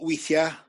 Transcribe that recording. weithia'